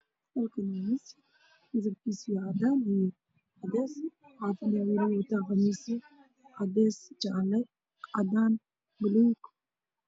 Halkaan waxaa yaalo miis midabkiisa yahay cadaan iyo cadees